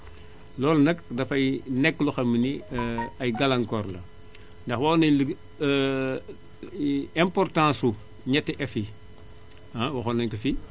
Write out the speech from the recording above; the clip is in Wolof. loolu nag dafay nekk loo xam ne nii ay gàllankoor la ndax waxoon nañu li importance su ñetti F yi waxoon nañu ko fi